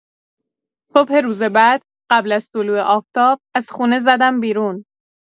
صبح روز بعد، قبل از طلوع آفتاب، از خونه زدم بیرون.